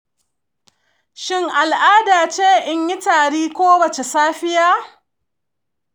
shin al’ada ce in yi tari kowace safiya?